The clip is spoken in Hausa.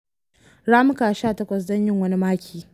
Ramuka 18 don yin wani maki.